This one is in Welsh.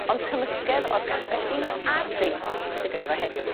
Ond cymysgedd o'r cyffredin a'r prin sy gynno fo heddiw.